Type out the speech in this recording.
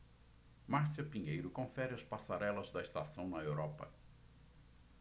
márcia pinheiro confere as passarelas da estação na europa